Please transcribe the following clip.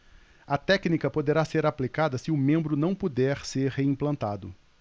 a técnica poderá ser aplicada se o membro não puder ser reimplantado